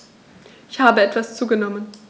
Ich habe etwas zugenommen